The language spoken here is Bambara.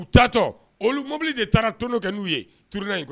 U taatɔ olu mobili de taara, n'u ye tourner in kɔnɔ.